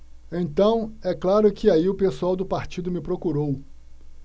então é claro que aí o pessoal do partido me procurou